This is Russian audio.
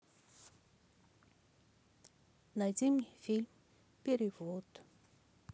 найди фильм перевод